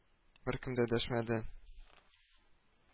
Беркем дә дәшмәде